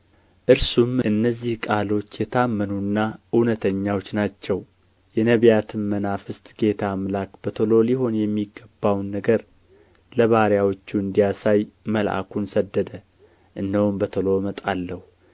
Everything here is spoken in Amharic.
እርሱም እነዚህ ቃሎች የታመኑና እውነተኛዎች ናቸው የነቢያትም መናፍስት ጌታ አምላክ በቶሎ ሊሆን የሚገባውን ነገር ለባሪያዎቹ እንዲያሳይ መልአኩን ሰደደ እነሆም በቶሎ እመጣለሁ